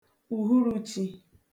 ùhurūchī